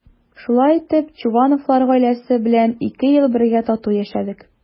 Шулай итеп Чувановлар гаиләсе белән ике ел бергә тату яшәдек.